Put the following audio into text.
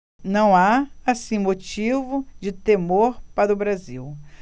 não há assim motivo de temor para o brasil